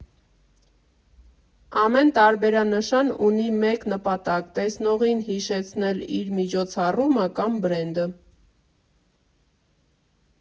Ամեն տարբերանշան ունի մեկ նպատակ՝ տեսնողին հիշեցնել իր միջոցառումը կամ բրենդը։